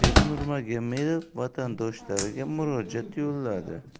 juda og'ir habib nurmagomedov vatandoshlariga murojaat yo'lladi